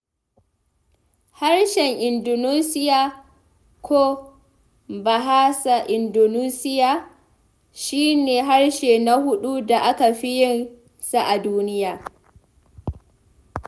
Harshen Indonesia ko Bahasa Indonesia shi ne harshe na huɗu da aka fi yin sa a duniya.